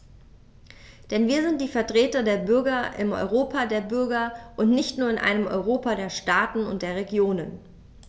Denn wir sind die Vertreter der Bürger im Europa der Bürger und nicht nur in einem Europa der Staaten und der Regionen.